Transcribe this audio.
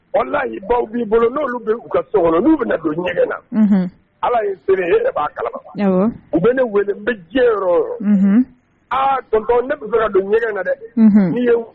Wala'i baw b'i bolo n' bɛ u ka so kɔnɔ n'u bɛna don ɲɛgɛn na ala y'i b'a kala u bɛ ne wele bɛ diɲɛ yɔrɔ yɔrɔ aa dɔn ne bɛ don ɲɛgɛn na dɛ n ye